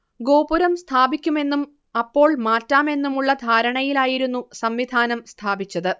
ഗോപുരം സ്ഥാപിക്കുമെന്നും അപ്പോൾ മാറ്റാമെന്നുമുള്ള ധാരണയിലായിരുന്നു സംവിധാനം സ്ഥാപിച്ചത്